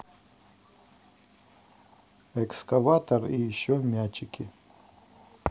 эскаватор и еще мячики